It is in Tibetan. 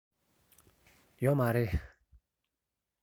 ཡོད མ རེད